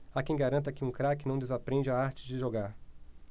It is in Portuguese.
há quem garanta que um craque não desaprende a arte de jogar